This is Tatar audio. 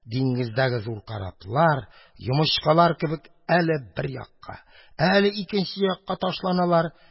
Диңгездәге зур кораблар, йомычкалар кебек, әле бер, әле икенче якка ташланалар